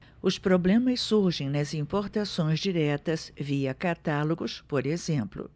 os problemas surgem nas importações diretas via catálogos por exemplo